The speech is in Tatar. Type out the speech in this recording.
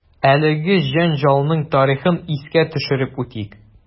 Әлеге җәнҗалның тарихын искә төшереп үтик.